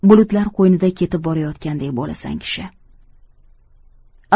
bulutlar qo'ynida ketib borayotgandek bo'lasan kishi